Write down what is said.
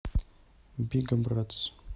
бига братс